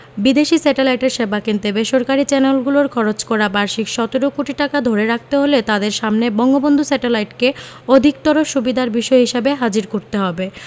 বিদেশি স্যাটেলাইটের সেবা কিনতে বেসরকারি চ্যানেলগুলোর খরচ করা বার্ষিক ১৭ কোটি টাকা ধরে রাখতে হলে তাদের সামনে বঙ্গবন্ধু স্যাটেলাইটকে অধিকতর সুবিধার বিষয় হিসেবে হাজির করতে হবে